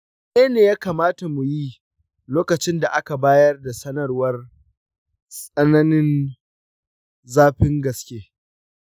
mene ne ya kamata mu yi lokacin da aka bayar da sanarwar tsananin zafin gaske